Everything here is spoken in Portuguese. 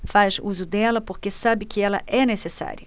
faz uso dela porque sabe que ela é necessária